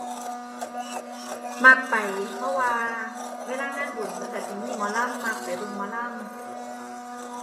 มักไป เพราะว่าเวลางานบุญเพิ่นก็สิมีหมอลำ มักไปเบิ่งหมอลำ